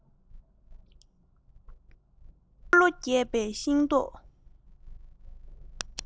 གཡོ ལོ རྒྱས པའི ཤིང ཏོག